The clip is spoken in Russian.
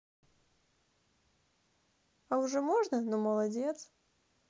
а уже можно но молодец